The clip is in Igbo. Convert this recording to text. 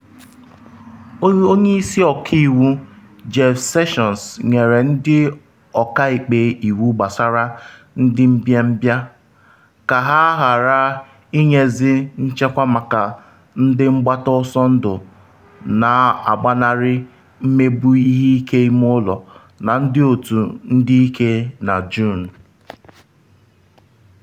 Onye Isi Ọka Iwu Jeff Sessions nyere ndị ọka ikpe iwu gbasara ndị mbịambịa, ka ha ghara inyezi nchekwa maka ndị mgbata ọsọ ndụ na-agbanarị mmegbu ihe ike ime ụlọ na otu ndị ike na Juun.